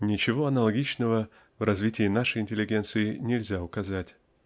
Ничего аналогичного в развитии нашей интеллигенции нельзя указать.